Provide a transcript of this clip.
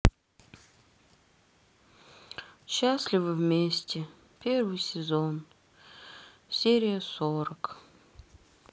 счастливы вместе первый сезон серия сорок